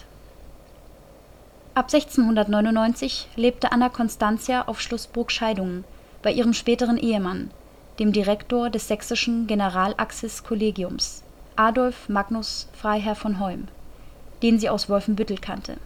1699 lebte Anna Constantia auf Schloss Burgscheidungen bei ihrem späteren Ehemann, dem Direktor des sächsischen Generalakzis-Kollegiums, Adolph Magnus Freiherr von Hoym, den sie aus Wolfenbüttel kannte